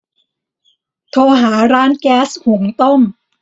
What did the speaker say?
โทรหาร้านแก๊สหุงต้ม